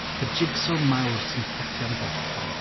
Fy jig-sô mawr sy'n ffitio'n berffaith,